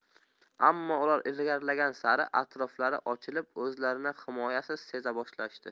ammo ular ilgarilagan sari atroflari ochilib o'zlarini himoyasiz seza boshlashdi